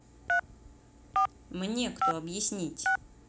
мне кто объяснить